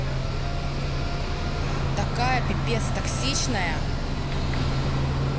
такая пипец токсичная